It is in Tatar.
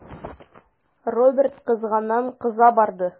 Роберт кызганнан-кыза барды.